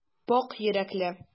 Пакь йөрәкле.